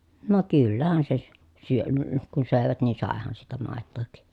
no kyllähän se --- kun söivät niin saihan siitä maitoakin